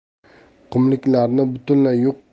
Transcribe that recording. qumliklarni butunlay yo'q